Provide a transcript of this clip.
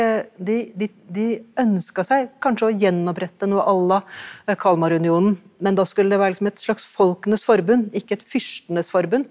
de de ønska seg kanskje å gjenopprette noe a la Kalmarunionen, men da skulle det være et slags folkenes forbund, ikke et fyrstenes forbund.